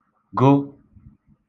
gụ